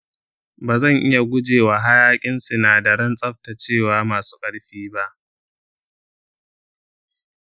ba zan iya gujewa hayaƙin sinadaran tsaftacewa masu ƙarfi ba.